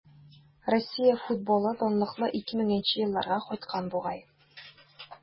Россия футболы данлыклы 2000 нче елларга кайткан бугай.